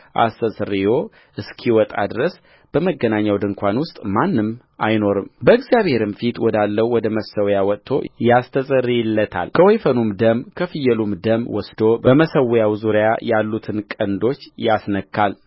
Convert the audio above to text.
አስተስርዮ እስኪወጣ ድረስ በመገናኛው ድንኳን ውስጥ ማንም አይኖርምበእግዚአብሔርም ፊት ወዳለው ወደ መሠዊያ ወጥቶ ያስተሰርይለታል ከወይፈኑም ደም ከፍየሉም ደም ወስዶ በመሠዊያው ዙሪያ ያሉትን ቀንዶች ያስነካል